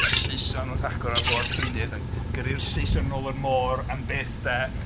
Y Saeson oedd yn gyrru'r Saeson yn ôl o'r môr am byth 'de.